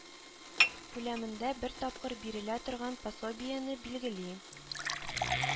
Күләмендә бер тапкыр бирелә торган пособиене билгели